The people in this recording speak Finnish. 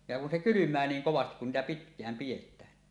ja kun se kylmää niin kovasti kun niitä pitkään pidetään